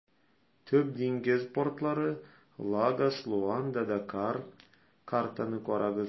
Төп диңгез портлары - Лагос, Луанда, Дакар (картаны карагыз).